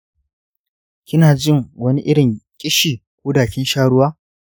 kina jin wani irin ƙishi ko da kin sha ruwa?